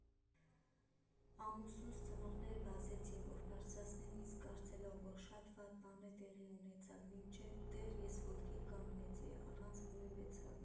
Ամուսնուս ծնողները վազեցին, որ բարձրացնեն ինձ՝ կարծելով, որ շատ վատ բան տեղի ունեցավ, մինչդեռ ես ոտքի կանգնեցի՝ առանց որևէ ցավի։